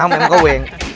không em có quyền